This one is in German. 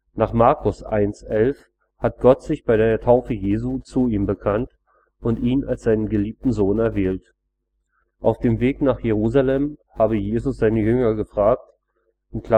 1,11 EU hat Gott sich bei der Taufe Jesu zu ihm bekannt und ihn als seinen geliebten Sohn erwählt. Auf dem Weg nach Jerusalem habe Jesus seine Jünger gefragt (Mk